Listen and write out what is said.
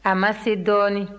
a ma se dɔɔnin